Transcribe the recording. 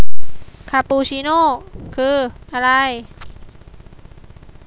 คาปูชิโน่คืออะไร